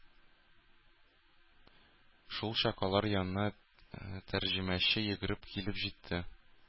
Шулчак алар янына тәрҗемәче йөгереп килеп җитте.